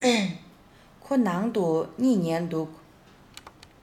ཁོ ནང དུ གཉིད ཉལ འདུག